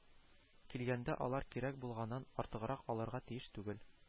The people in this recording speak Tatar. Килгәндә, алар кирәк булганнан артыграк алырга тиеш түгел”